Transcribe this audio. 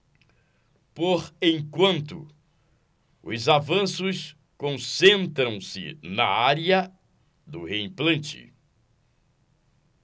por enquanto os avanços concentram-se na área do reimplante